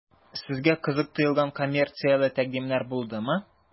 Сезгә кызык тоелган коммерцияле тәкъдимнәр булдымы?